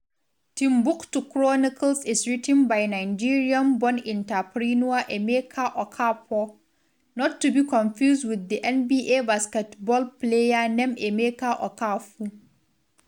Timbuktu Chronicles is written by Nigerian-born entrepreneur Emeka Okafor, not to be confused with the NBA basketball player named Emeka Okafor.